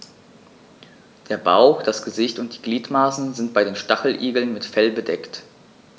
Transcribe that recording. Der Bauch, das Gesicht und die Gliedmaßen sind bei den Stacheligeln mit Fell bedeckt.